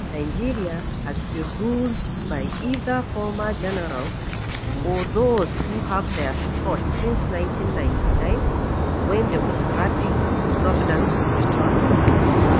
Nigeria has been ruled by either former generals or those who have their support since 1999 when democratic governance returned.